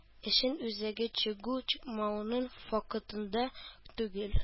Эшнең үзәге чыгу-чыкмауның фактында түгел.